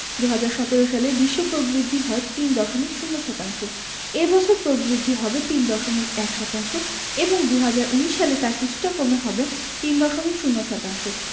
২০১৭ সালে বিশ্ব প্রবৃদ্ধি হয় ৩.০ শতাংশ এ বছর প্রবৃদ্ধি হবে ৩.১ শতাংশ এবং ২০১৯ সালে তা কিছুটা কমে হবে ৩.০ শতাংশ